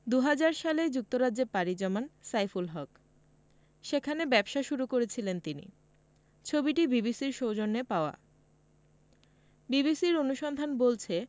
২০০০ সালে যুক্তরাজ্যে পাড়ি জমান সাইফুল হক সেখানে ব্যবসা শুরু করেছিলেন তিনি ছবিটি বিবিসির সৌজন্যে পাওয়া বিবিসির অনুসন্ধান বলছে